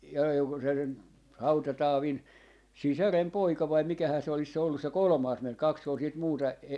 ja oliko se nyt Hauta-Taavin sisarenpoika vai mikähän se olisi se ollut se kolmas mies kaksi oli sitten muuta